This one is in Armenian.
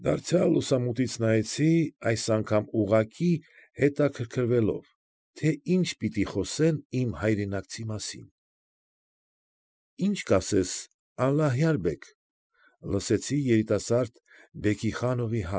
Դարձյալ լուսամուտից նայեցի, այս անգամ ուղղակի հետաքրքրվելով, թե ինչ պիտի խոսեն իմ հայրենակցի մասին։ ֊ Ի՞նչ կասես, Ալլահյար֊բեգ,֊ լսեցի երիտասարդ Բեքիխանովի։